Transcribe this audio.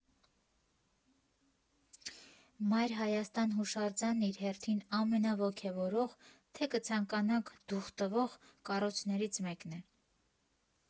Մայր Հայաստան հուշարձանն իր հերթին ամենաոգևորող (թե կցանկանաք՝ «դուխ տվող») կառույցներից մեկն է.